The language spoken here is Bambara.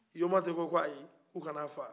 yomati ko ko ayi ko u ka na a faa